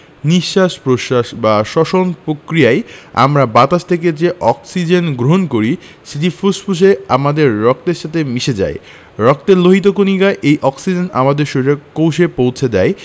নিঃশ্বাস প্রশ্বাস বা শ্বসন প্রক্রিয়ায় আমরা বাতাস থেকে যে অক্সিজেন গ্রহণ করি সেটি ফুসফুসে আমাদের রক্তের সাথে মিশে যায় রক্তের লোহিত কণিকা এই অক্সিজেন আমাদের শরীরের কোষে পৌছে দেয়